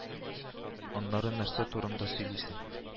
Аннары нәрсә турында сөйлисең